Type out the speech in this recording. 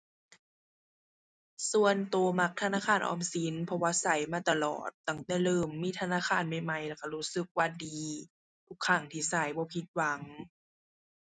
ส่วนตัวมักธนาคารออมสิน เพราะว่าตัวมาตลอด ตั้งแต่เริ่มมีธนาคารใหม่ใหม่ แล้วตัวรู้สึกว่าดี ทุกครั้งที่ตัวบ่ผิดหวัง